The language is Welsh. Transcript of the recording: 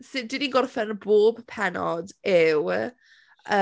Sut dan ni'n gorffen bob pennod, yw...